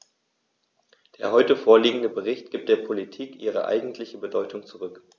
Der heute vorliegende Bericht gibt der Politik ihre eigentliche Bedeutung zurück.